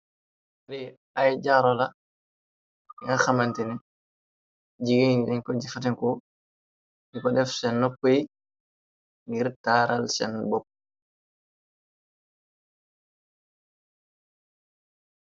Lee ay jaarola yanga xamante ne jigeen yi dañ ko ci fatiko. Di ko def seen noppy ngir taaral seen bopp.